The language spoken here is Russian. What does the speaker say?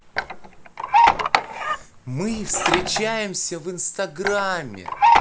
мы встречаемся в инстаграме